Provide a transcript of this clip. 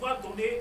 Batu den